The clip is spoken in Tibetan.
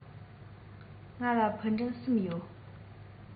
ང ལ ཕུ འདྲེན གསུམ ཡོད